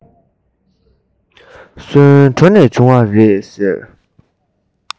སོན གྲོ ནས བྱུང བ རེད ཟེར